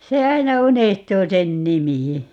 se aina unohtuu sen nimi